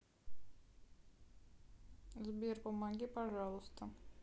сбер помоги пожалуйста